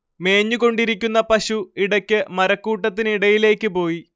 മേഞ്ഞുകൊണ്ടിരിക്കുന്ന പശു ഇടക്ക് മരക്കൂട്ടത്തിനിടയിലേക്ക് പോയി